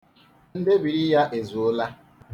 Ndebiri ya ezuola.